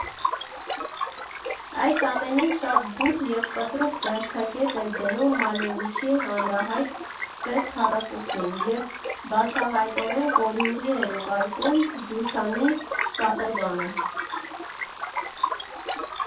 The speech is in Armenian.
Այս ամենին շատ բութ և կտրուկ վերջակետ էր դնում Մալևիչի հանրահայտ «Սև քառակուսին» և բացահայտորեն «կոյուղի» էր ուղարկում Դյուշանի «Շատրվանը»։